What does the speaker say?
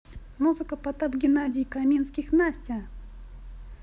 музыка потап геннадий каменских настя